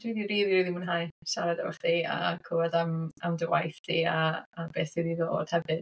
Dwi 'di rili rili mwynhau siarad efo chdi a clywed am am dy waith 'di a a be sydd i ddod hefyd.